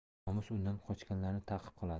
nomus undan qochganlarni ta'qib qiladi